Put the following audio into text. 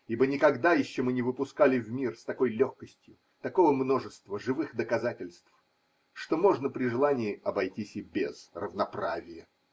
Ибо никогда еще мы не выпускали в мир с такой легкостью такого множества живых доказательств, что можно при желании обойтись и без равноправия.